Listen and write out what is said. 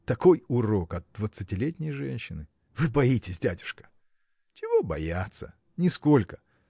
Такой урок от двадцатилетней женщины. – Вы боитесь, дядюшка! – Чего бояться? нисколько!